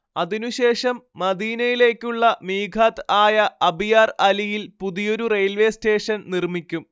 അതിനു ശേഷം മദീനയിലേക്കുള്ള മീഖാത്ത് ആയ അബിയാർ അലിയിൽ പുതിയൊരു റെയിൽവേ സ്റ്റേഷൻ നിർമ്മിക്കും